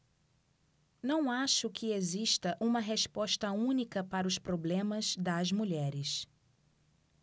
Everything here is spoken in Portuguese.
não acho que exista uma resposta única para os problemas das mulheres